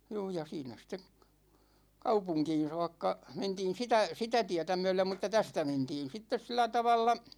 juu ja siinä sitten kaupunkiin saakka mentiin sitä sitä tietä myöden mutta tästä mentiin sitten sillä tavalla